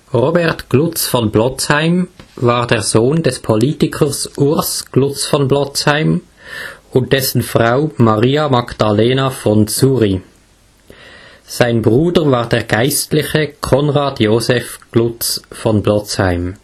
Robert Glutz von Blotzheim war der Sohn des Politikers Urs Glutz von Blotzheim und dessen Frau Maria Magdalena von Sury. Sein Bruder war der Geistliche Konrad Josef Glutz von Blotzheim